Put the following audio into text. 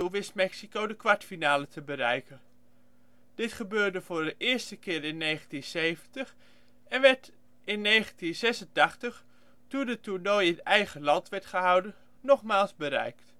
wist Mexico de kwartfinale te bereiken. Dit gebeurde voor de eerste keer in 1970 en werd in 1986 toen het toernooi in eigen land werd gehouden nogmaals bereikt